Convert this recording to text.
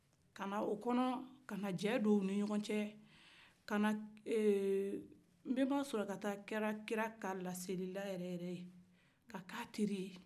kana o kɔnɔ kana jɛ don u nin ɲɔgɔ cɛ nbenba sulakata kɛra kira ka laselila yɛrɛ yɛrɛ ye k'a ka teri ye